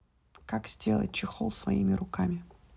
как сделать чехол своими руками